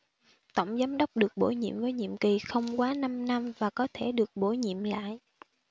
tổng giám đốc được bổ nhiệm với nhiệm kỳ không quá năm năm và có thể được bổ nhiệm lại